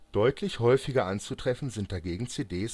Deutlich häufiger anzutreffen sind dagegen CDs